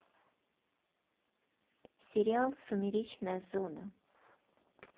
сериал сумеречная зона